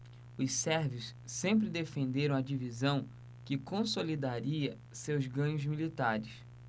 os sérvios sempre defenderam a divisão que consolidaria seus ganhos militares